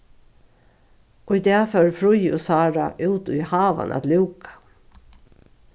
í dag fóru fríði og sára út í havan at lúka